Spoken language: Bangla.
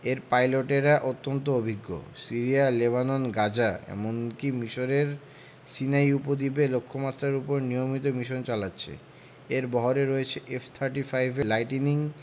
এর পাইলটেরাও অত্যন্ত অভিজ্ঞ সিরিয়া লেবানন গাজা এমনকি মিসরের সিনাই উপদ্বীপে লক্ষ্যমাত্রার ওপর নিয়মিত মিশন চালাচ্ছে এর বহরে রয়েছে এফ থার্টি ফাইভ এর লাইটিনিং